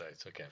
Reit ocê.